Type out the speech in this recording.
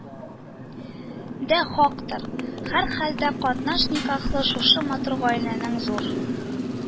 Дә хактыр: һәрхәлдә, катнаш никахлы шушы матур гаиләнең зур